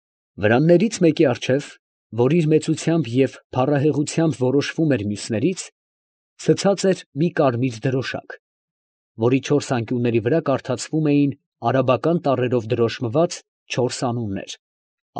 Վրաններից մեկի առջև, ֊ որ իր մեծությամբ և փառահեղաթյամբ որոշվում էր մյուսներից, ֊ ցցած էր մի կարմիր դրոշակ, որի չորս անկյունների վրա կարդացվում էին, արաբական տառերով դրոշմված, չորս անուններ՝